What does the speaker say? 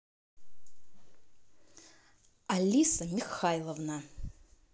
алиса михайловна